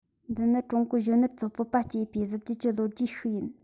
འདི ནི ཀྲུང གོའི གཞོན ནུ ཚོར སྤོབས པ སྐྱེ འོས པའི གཟི བརྗིད ཀྱི ལོ རྒྱུས ཤིག ཡིན